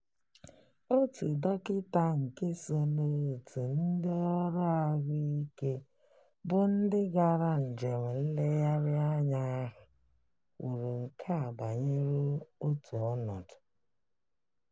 Otu dọkịta nke so n'òtù ndị ọrụ ahụike bụ́ ndị gara njem nlegharị anya ahụ kwuru nke a banyere otu ọnọdu: